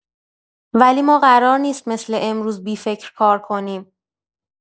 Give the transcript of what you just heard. ولی ما قرار نیست مثل امروز بی‌فکر کار کنیم.